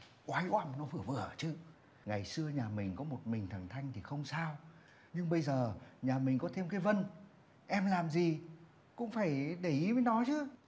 oái oăm nó vừa vừa thôi chứ ngày xưa nhà mình có một mình thằng thanh thì không sao nhưng bây giờ nhà mình có thêm cái vân em làm gì cũng phải để ý nó chứ